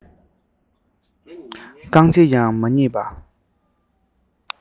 རྐང གཅིག ཀྱང མ རྙེད པ